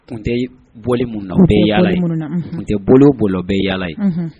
N tɛ bɔ mun bɛɛ yaa ye n tɛ bolo bololɔ bɛɛ yaa ye